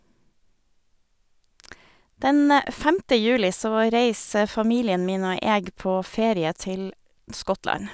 Den femte juli så reiser familien min og jeg på ferie til Skottland.